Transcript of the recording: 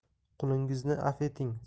qulingizni avf eting